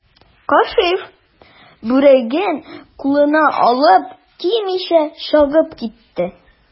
Кәшиф, бүреген кулына алып, кимичә чыгып китте.